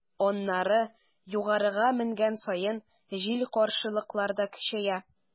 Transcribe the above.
Аннары, югарыга менгән саен, җил-каршылыклар да көчәя.